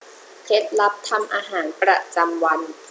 เคล็ดลับทำอาหารประจำวัน